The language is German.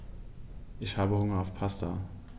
Ich habe Hunger auf Pasta.